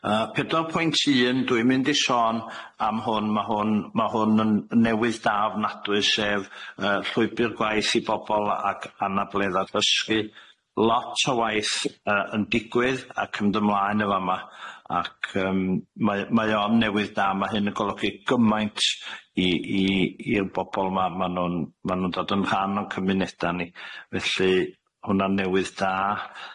Yy pedwar pwynt un, dwi'n mynd i sôn am hwn ma' hwn ma' hwn yn newydd da ofnadwy, sef yy llwybyr gwaith i bobol ag anabledda dysgu lot o waith yy yn digwydd ac ym ymlaen yn fama ac yym mae mae o'n newydd da ma' hyn yn golygu gymaint i i i'r bobol ma' ma' nw'n ma' nw'n dod yn rhan o'n cymuneda ni felly hwnna'n newydd da.